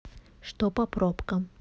что по пробкам